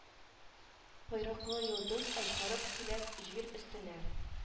Койрыклы йолдыз ажгырып килә җир өстенә